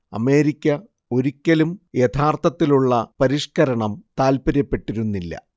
America ഒരിക്കലും യഥാർത്ഥത്തിലുള്ള പരിഷ്കരണം താല്പര്യപ്പെട്ടിരുന്നില്ല